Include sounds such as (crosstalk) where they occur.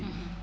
(hesitation) (hesitation)